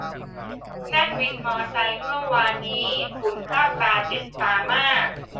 นั่งวินมอไซต์เมื่อวานนี้ฝุ่นเข้าตาเจ็บตามาก